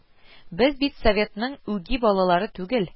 Без бит Советның үги балалары түгел